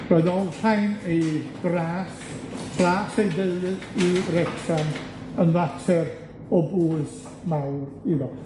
Roedd olrhain ei dras, dras ei deulu i Wrecsam yn fater o bwys mawr iddo.